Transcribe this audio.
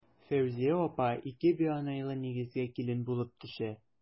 Фәүзия апа ике бианайлы нигезгә килен булып төшә.